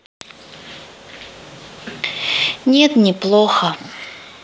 нет не плохо